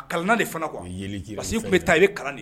A kalanna de fana quoi parce que i tun bɛ taa bɛ kalan de